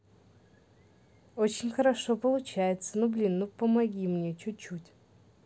очень хорошо получается ну блин ну помоги мне чуть чуть